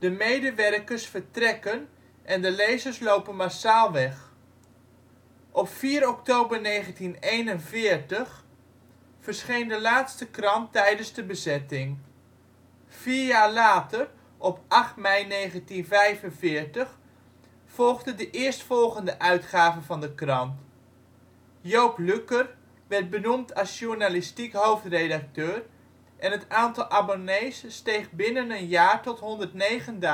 medewerkers vertrekken en de lezers lopen massaal weg. Op 4 oktober 1941 verscheen de laatste krant tijdens de bezetting. Vier jaar later, op 8 mei 1945, volgde de eerstvolgende uitgave van de krant. Joop Lücker werd benoemd als journalistiek hoofdredacteur, en het aantal abonnees steeg binnen een jaar tot 109.000. De